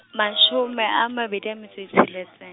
mashome a mabedi a metso e tsheletseng.